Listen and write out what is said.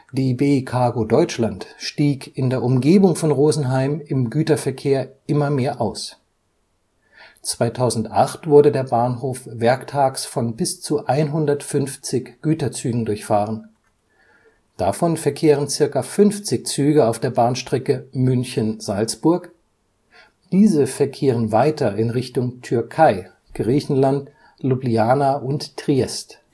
DB Cargo Deutschland stieg in der Umgebung von Rosenheim im Güterverkehr immer mehr aus. 2008 wurde der Bahnhof werktags von bis zu 150 Güterzügen durchfahren. Davon verkehren circa 50 Züge auf der Bahnstrecke München – Salzburg, diese verkehren weiter in Richtung Türkei, Griechenland, Ljubljana und Triest